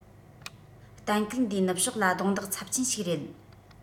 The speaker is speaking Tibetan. གཏན འཁེལ འདིའི ནུབ ཕྱོགས ལ རྡུང རྡེག ཚབས ཆེན ཞིག རེད